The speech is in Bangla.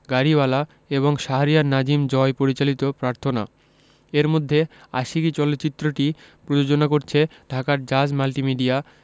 গাড়িওয়ালা এবং শাহরিয়ার নাজিম জয় পরিচালিত প্রার্থনা এর মধ্যে আশিকী চলচ্চিত্রটি প্রযোজনা করছে ঢাকার জাজ মাল্টিমিডিয়া